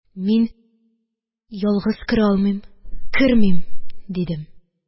Мин: – Ялгыз керә алмыйм, кермим, – дидем